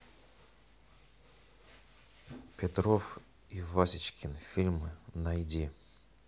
петров и васечкин фильм найди